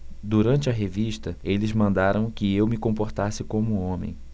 durante a revista eles mandaram que eu me comportasse como homem